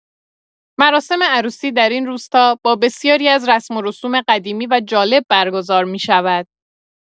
مراسم عروسی در این روستا با بسیاری از رسم و رسوم قدیمی و جالب برگزار می‌شود.